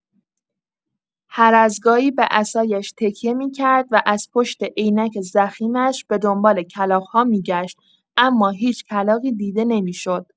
هرازگاهی به عصایش تکیه می‌کرد و از پشت عینک ضخیمش به‌دنبال کلاغ‌ها می‌گشت، اما هیچ کلاغی دیده نمی‌شد.